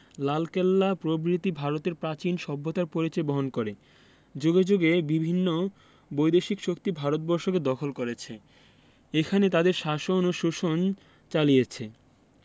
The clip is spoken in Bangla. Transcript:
লালকেল্লা প্রভৃতি ভারতের প্রাচীন সভ্যতার পরিচয় বহন করেযুগে যুগে বিভিন্ন বৈদেশিক শক্তি ভারতবর্ষকে দখল করেছে এখানে তাদের শাসন ও শোষণ চালিছে